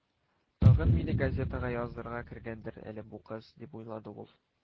«тагын мине газетага язарга кергәндер әле бу кыз, дип уйлады ул